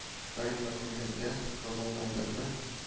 Сталинны күмгәндә Кызыл мәйданны